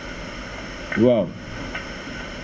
waaw